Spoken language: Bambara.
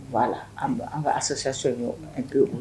B' la an ka a sosoya so pe